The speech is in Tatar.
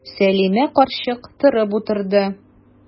Сәлимә карчык торып утырды.